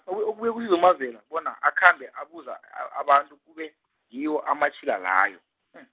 okubuye kusize uMavela, bona akhambe, abuza a- abantu kube ngiwo amatjhila layo .